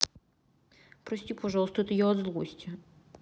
прости пожалуйста это я от злости